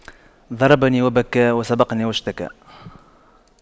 ضربني وبكى وسبقني واشتكى